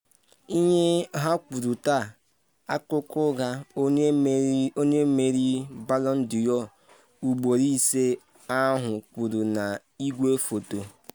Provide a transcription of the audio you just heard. Ihe ha kwuru taa, akụkọ ụgha,” onye mmeri Ballo d’Or ugboro ise ahụ kwuru na igwefoto.